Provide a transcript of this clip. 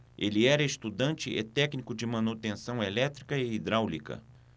ele era estudante e técnico de manutenção elétrica e hidráulica